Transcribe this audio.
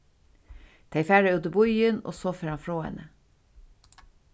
tey fara út í býin og so fer hann frá henni